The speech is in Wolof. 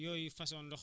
voilà